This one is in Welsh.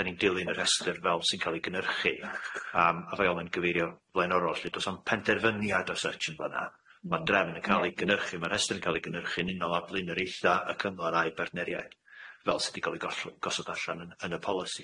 dan ni'n dilyn y rhestr fel sy'n ca'l ei gynhyrchu yym a fel o'n gyfeirio blaenorol lly do's na'm penderfyniad o search yn fan'a ma'n drefn yn ca'l ei gynhyrchu ma' rhestr yn ca'l ei gynhyrchu'n unol a blinyr eitha y cymhleth a'i bartneriaid fel sy' di gal i gollw- gosod allan yn yn y polisi